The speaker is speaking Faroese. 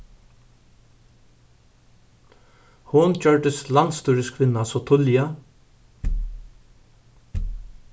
hon gjørdist landsstýriskvinna so tíðliga